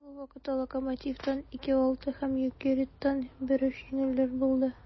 Шул ук вакытта "Локомотив"тан (2:6) һәм "Йокерит"тан (1:3) җиңелүләр булды.